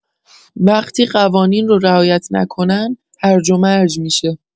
وقتی قوانین رو رعایت نکنن، هرج‌ومرج می‌شه.